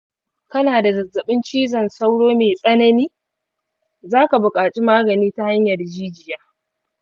kana da zazzabin cizon sauro mai tsanani, za ka buƙaci magani ta hanyar jijiya.